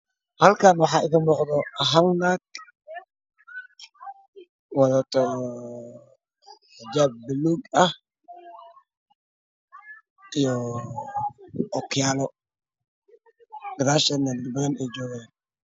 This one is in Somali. Halkan wax iga muuqdo hal gabar wadato xijaab gadud ah iyo hokiyalo